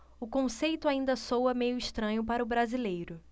o conceito ainda soa meio estranho para o brasileiro